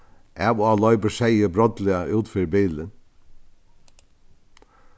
av og á loypur seyður brádliga út fyri bilin